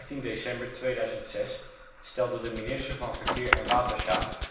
15 december 2006 stelde de minister van Verkeer en Waterstaat